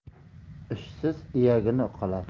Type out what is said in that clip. ishsiz iyagini uqalar